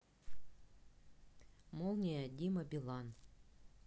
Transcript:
молния дима билан